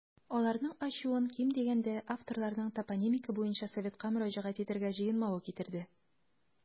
Аларның ачуын, ким дигәндә, авторларның топонимика буенча советка мөрәҗәгать итәргә җыенмавы китерде.